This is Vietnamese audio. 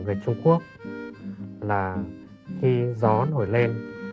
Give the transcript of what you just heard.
người trung quốc là khi gió nổi lên